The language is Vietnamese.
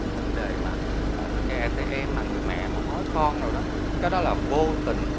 vấn đề mà ở cái a tê em mà người mẹ mà hối con rồi đó cái đó là vô tình